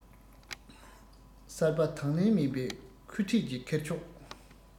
གསར པ དང ལེན མེད པའི ཁུ འཁྲིགས ཀྱི ཁེར ཕྱོགས